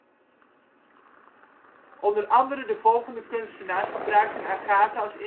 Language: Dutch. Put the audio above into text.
Onder andere de volgende kunstenaars gebruikten Agatha als